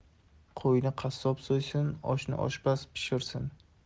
qo'yni qassob so'ysin oshni oshpaz pishirsin